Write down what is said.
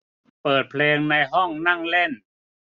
เปิดเพลงในห้องนั่งเล่น